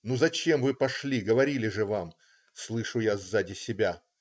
Ну, зачем вы пошли - говорили же вам!" - слышу я сзади себя.